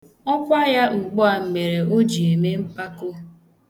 Ọkwa ya ugbua mere o ji eme mpako.